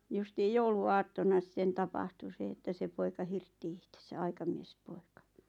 justiin jouluaattona sitten tapahtui se että se poika hirtti itsensä aikamiespoika